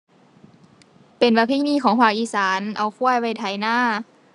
เป็นประเพณีของภาคอีสาน เอาควายไว้ไถนา